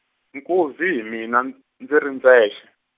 nkuzi hi mina n-, ndzi ri ndzexe.